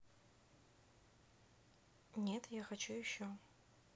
нет я хочу еще